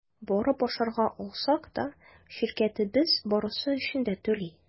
Барып ашарга алсак та – ширкәтебез барысы өчен дә түли.